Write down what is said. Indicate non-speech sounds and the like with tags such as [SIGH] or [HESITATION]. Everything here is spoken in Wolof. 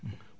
[HESITATION] [HESITATION]